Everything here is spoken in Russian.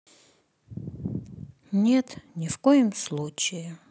нет ни в коем случае